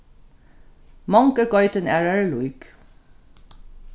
mong er geitin aðrari lík